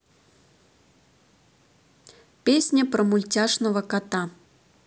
песня про мультяшного кота